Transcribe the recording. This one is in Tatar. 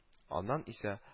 Аннан исә